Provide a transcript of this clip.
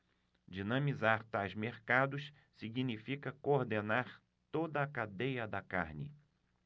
dinamizar tais mercados significa coordenar toda a cadeia da carne